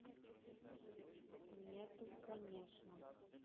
нету конечно